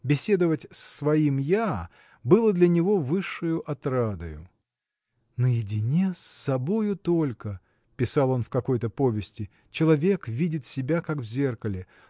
Беседовать с своим я было для него высшею отрадою. Наедине с собою только – писал он в какой-то повести – человек видит себя как в зеркале